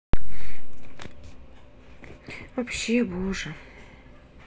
вообще боже